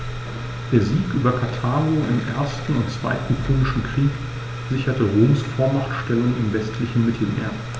Der Sieg über Karthago im 1. und 2. Punischen Krieg sicherte Roms Vormachtstellung im westlichen Mittelmeer.